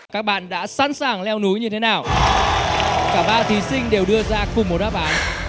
các bạn đã sẵn sàng leo núi như thế nào cả ba thí sinh đều đưa ra cùng một đáp án